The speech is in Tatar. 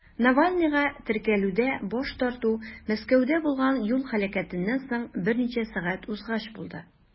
Навальныйга теркәлүдә баш тарту Мәскәүдә булган юл һәлакәтеннән соң берничә сәгать узгач булды.